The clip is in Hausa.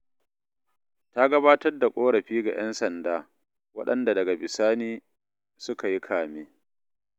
Ta gabatar da ƙorafi ga 'yan sanda, waɗanda daga bisani suka yi kame.